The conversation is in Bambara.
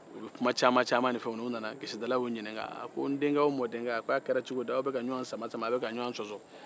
u ye kuma caman-caman de fɔ u nana gesedala y'u ɲininkan a ko denkɛ n mɔdenkɛ a ko a kɛra cogodi aw bɛ ka ɲɔgɔn sama-sama aw bɛ ka ɲɔgɔn sɔsɔ